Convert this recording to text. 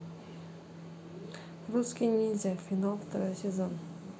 русский ниндзя финал второй сезон